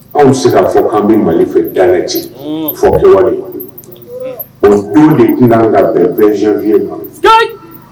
Anw tɛ se k'a fɔ an bɛ Mali fɛ da la ten, un, o don de tun kan ka bɛn 20 janvier ma, sikeyi